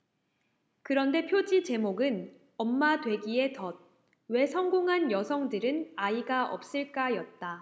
그런데 표지 제목은 엄마 되기의 덫 왜 성공한 여성들은 아이가 없을까였다